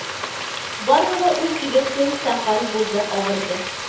Барлыгы унсигез көн сәкәл булды авырды